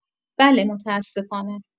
بله متاسفانه